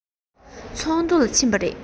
ཚོགས འདུ ལ ཕྱིན པ རེད